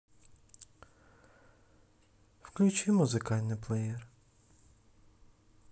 включи музыкальный плеер